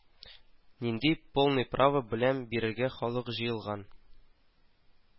Нинди полный право белән бирегә халык җыелган